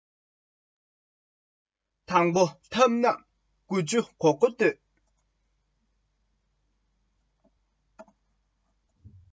དང པོ ཐབས རྣམས དགུ བཅུ གོ དགུ གཏོད